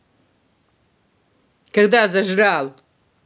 когда зажрал